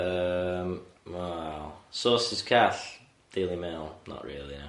Yym wel sources call, Daily Mail, not really no.